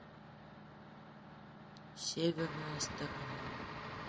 северная сторона